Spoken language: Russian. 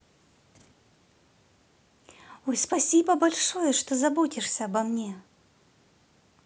ой спасибо большое что заботишься обо мне